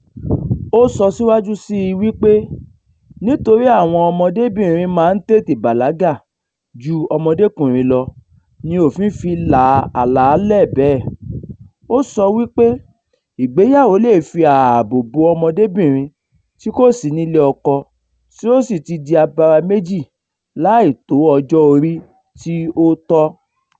Ó sọ síwájú sí i wípé nítorí àwọn ọmọdébìnrin máa ń tètè bàlágà ju ọmọdékùnrin lọ ni òfin fi la àlàálẹ̀ bẹ́ẹ̀. Ó sọ wípé ìgbéyàwó lè fi ààbò bo ọmọdébìnrin tí kò sí nílé ọkọ tí ó ti di abaraméjì láì tó ọjọ́ orí tí ó tọ́.